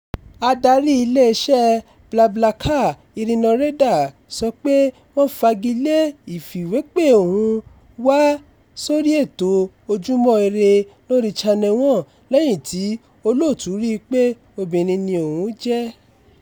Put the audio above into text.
Adarí iléeṣẹ́ BlaBlaCar, Irina Reyder sọ pé wọ́n fagi lé ìfìwépè òun wá sórí ètò Ojúmọ́ Ire lórí Channel One lẹ́yìn tí olóòtú rí i pé obìnrin ni òún jẹ́.